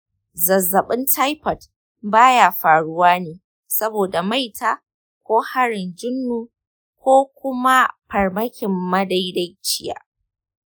zazzabin taifot ba ya faruwa ne saboda maita ko harrin jinnu ko kuma farmakin madaidaiciya.